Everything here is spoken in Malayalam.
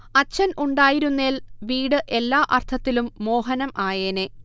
അച്ഛൻ ഉണ്ടായിരുന്നേൽ വീട് എല്ലാ അർത്ഥത്തിലും മോഹനം ആയേനേ